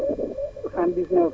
439